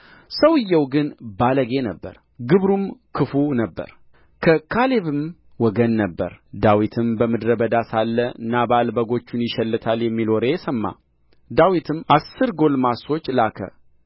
ሰውዮው ግን ባለጌ ነበረ ግብሩም ክፉ ነበረ ከካሌብም ወገን ነበረ ዳዊትም በምድረ በዳ ሳለ ናባል በጎቹን ይሸልታል የሚል ወሬ ሰማ ዳዊትም አሥር ጕልማሶች ላከ